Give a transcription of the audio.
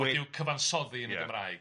Wedi i'w cyfansoddi yn y Gymraeg.